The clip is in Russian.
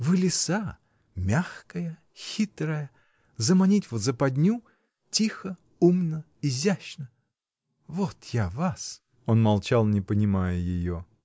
Вы — лиса, мягкая, хитрая: заманить в западню. тихо, умно, изящно. Вот я вас!. Он молчал, не понимая ее.